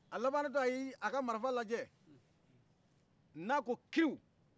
a labannata a ye a ka marafa lajɛ n'a ko kiriuu